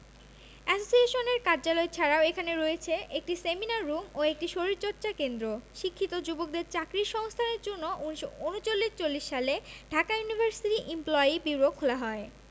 এসোসিয়েশনের কার্যালয় ছাড়াও এখানে রয়েছে একটি সেমিনার রুম ও একটি শরীরচর্চা কেন্দ্র শিক্ষিত যুবকদের চাকরির সংস্থানের জন্য ১৯৩৯ ৪০ সালে ঢাকা ইউনিভার্সিটি ইমপ্লয়ি বিউরো খোলা হয়